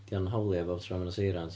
'Di o'n howlio bob tro mae 'na seirans?